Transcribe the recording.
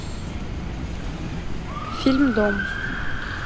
фильм дом